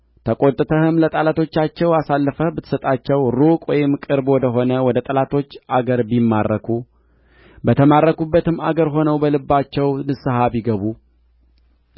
ተቈጥተህም ለጠላቶቻቸው አሳልፈህ ብትሰጣቸው ሩቅ ወይም ቅርብ ወደ ሆነ ወደ ጠላቶች አገር ቢማረኩም በተማረኩበትም አገር ሆነው በልባቸው ንስሐ ቢገቡ